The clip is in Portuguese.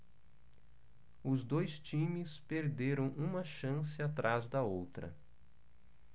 os dois times perderam uma chance atrás da outra